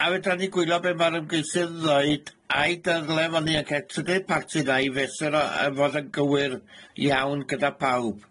A fedran ni gwylio be' ma'r ymgeisydd yn ddeud? Ai dyle fo' ni yn ca'l trydydd parti yna i fesur o, a bod yn gywir iawn gyda pawb?